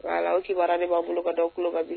Aa aw kiba baara ne' tulo ka da aw tulo bi